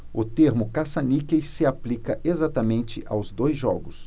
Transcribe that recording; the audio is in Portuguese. o termo caça-níqueis se aplica exatamente aos dois jogos